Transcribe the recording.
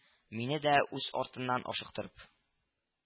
Мине дә үз артыннан ашыктырып